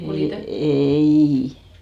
ei